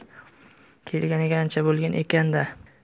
kelganiga ancha bo'lgan ekan da